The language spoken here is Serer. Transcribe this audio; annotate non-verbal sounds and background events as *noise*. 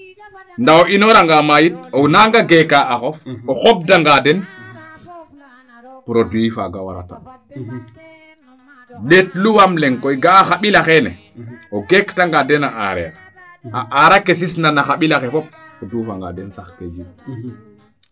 nda o inoora nga ma yit o naanga geeka axof o xob danga den produit faaga warata ndeetlu waam leŋ koy ga'a xa mbila xeene o geeg ta nga den a areer a arake sis na naxa mbilaxe fop o duufa nga den sax ke *unintelligible*